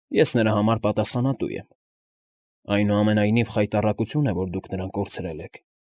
Ես նրա համար պատասխանատու եմ։ Այնուամենայնիվ, խայտառակաություն է, որ դուք նրան կորցրել եք։